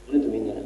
An jumɛn ɲɛna